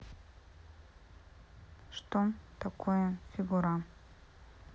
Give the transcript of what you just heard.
что такое фигура